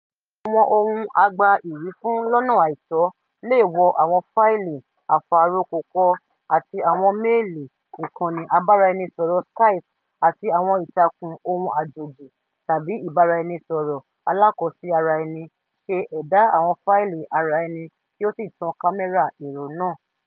Àwọn ohùn-agbaìwífún-lọ́nà-àìtọ́ le wọ àwọn fáìlì àfàrokòkọ àti àwọn méèlí, ìkànnì ìbáraẹnisọ̀rọ̀ Skype àti àwọn ìtàkùn ohun àjòjì tàbí ìbáraẹnisọ̀rọ̀ alákọsíaraẹni, ṣe ẹ̀dá àwọn fáìlì araẹni kí ó sì tàn kámẹ́rà ẹ̀rọ náà.